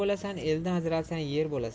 eldan ajralsang yer bo'lasan